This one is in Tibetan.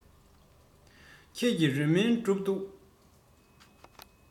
ཁྱེད ཀྱི རེ སྨོན སྒྲུབ འདུག